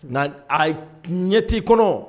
Nan ara ye ɲɛti i kɔnɔ